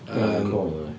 Hynnaa ddim yn cŵl nadi.